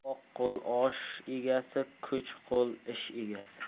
oq qo'l osh egasi kuch qo'l ish egasi